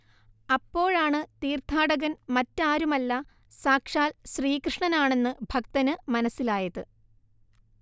അപ്പോഴാണ് തീർത്ഥാടകൻ മറ്റാരുമല്ല സാക്ഷാൽ ശ്രീകൃഷ്ണനാണെന്ന് ഭക്തന് മനസ്സിലായത്